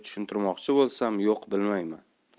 tushuntirmoqchi bo'lsam yo'q bilmayman